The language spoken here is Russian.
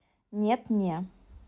нет не